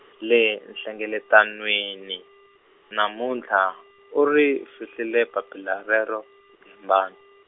le nhlengeletanwini, namuntlha, u ri fihlile papila rero, Gembani.